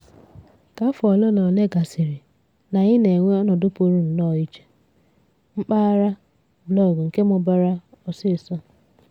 Ka afọ olenaole gasịrị, na anyị na-enwe ọnọdụ pụrụ nnọọ iche - mpaghara blọọgụ nke mụbara ọsịsọ.